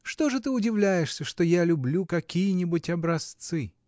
Что же ты удивляешься, что я люблю какие-нибудь образцы?